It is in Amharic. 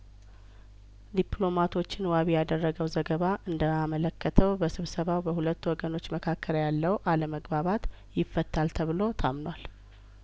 ዲፕሎማቶችን ዋቢ ያደረገው ዘገባ እንዳ መለከተው በስብሰባው በሁለቱ ወገኖች መካከል ያለው አለመግባባት ይፈታል ተብሎ ታምኗል